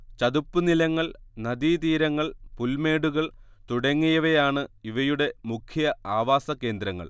ചതുപ്പുനിലങ്ങൾ നദീതീരങ്ങൾ പുൽമേടുകൾ തുടങ്ങിയവയാണ് ഇവയുടെ മുഖ്യ ആവാസകേന്ദ്രങ്ങൾ